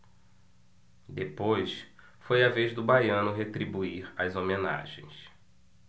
depois foi a vez do baiano retribuir as homenagens